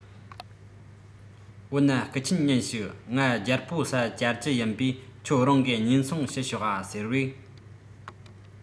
འོ ན སྐུ མཁྱེན ཉིན ཞིག ང རྒྱལ པོའོ སར བཅར གྱི ཡིན པས ཁྱེད རང གིས སྙན གསེང ཞུས ཤོག ཨྰ ཟེར བས